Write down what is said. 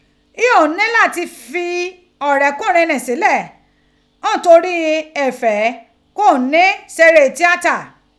Ghi oun ni lati fi ọrẹkunrin ni silẹ nitori ifẹ ki oun ni si ere tiata.